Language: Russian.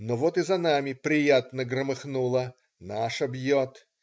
Но вот и за нами приятно громыхнуло: наша бьет.